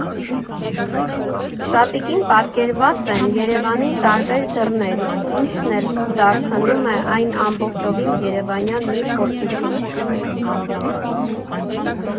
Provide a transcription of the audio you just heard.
Շապիկին պատկերված են Երևանի տարբեր դռներ, ինչն էլ դարձնում է այն ամբողջովին երևանյան մի փորձառություն։